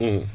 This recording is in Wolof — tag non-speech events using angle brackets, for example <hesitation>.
<hesitation> <hesitation>